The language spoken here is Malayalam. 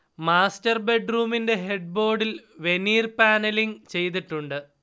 മാസ്റ്റർ ബെഡ്റൂമിന്റെ ഹെഡ് ബോഡിൽ വെനീർ പാനലിങ് ചെയ്തിട്ടുണ്ട്